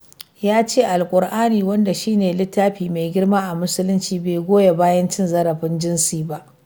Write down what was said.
Ya ce, Alkur'ani, wanda shi ne littafi mai girma a Musulunci, bai goyi bayan cin zarafin jinsi ba.